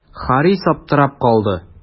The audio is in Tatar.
Харис аптырап калды.